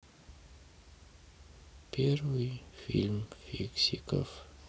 первый фильм фиксиков